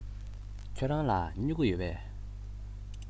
ཁྱེད རང ལ སྨྱུ གུ ཡོད པས